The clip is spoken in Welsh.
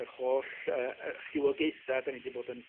yr holl yy yy rhywogaetha 'dan ni 'di bod yn